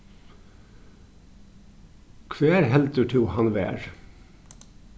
hvar heldur tú hann var